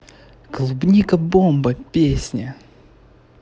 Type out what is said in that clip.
клубника бомба песня